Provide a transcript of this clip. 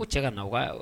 Ko cɛ ka na u ka